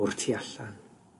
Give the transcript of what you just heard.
o'r tu allan.